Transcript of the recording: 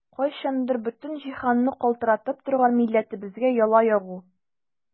Кайчандыр бөтен җиһанны калтыратып торган милләтебезгә яла ягу!